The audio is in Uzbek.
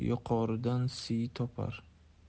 yuqoridan siy topar